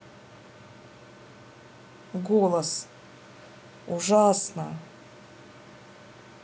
голос ужасно